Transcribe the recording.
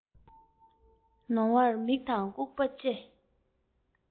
ལོང བར མིག དང ལྐུགས པར ལྕེ